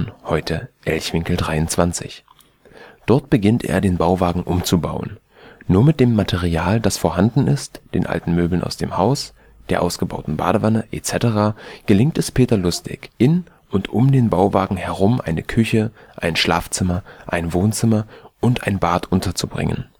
heute Elchwinkel 23 (Ort, s.a. Produktion und Drehorte)). Dort beginnt er, den Bauwagen umzubauen. Nur mit dem Material, das vorhanden ist, den alten Möbeln aus dem Haus, der ausgebauten Badewanne etc., gelingt es Peter Lustig, in und um den Bauwagen herum eine Küche, ein Schlafzimmer, ein Wohnzimmer und ein Bad unterzubringen